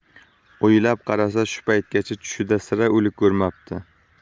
o'ylab qarasa shu paytgacha tushida sira o'lik ko'rmabdi